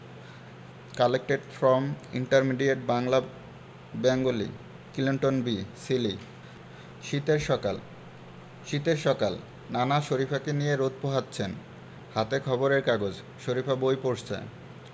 collected from intermediate Bangla Bengali Clinton B Seely শীতের সকাল শীতের সকাল নানা শরিফাকে নিয়ে রোদ পোহাচ্ছেন হাতে খবরের কাগজ শরিফা বই পড়ছে